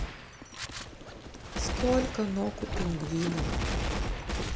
сколько ног у пингвина